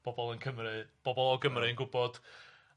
bobol yn Cymru bobol o Gymru yn gwbod